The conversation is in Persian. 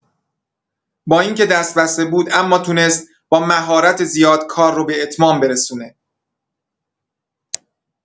با اینکه دست‌بسته بود، اما تونست با مهارت زیاد کار رو به اتمام برسونه.